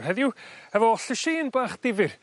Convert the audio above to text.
...heddiw hefo llyseien bach difyr